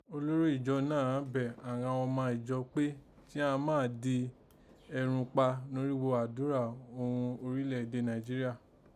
Olórí Ìjọ náà bẹ̀ àghan ọma ìjọ kpe jí àán máà dì ẹrún kpa norígho àdúrà ghún orílẹ̀ èdè Nàìjíríà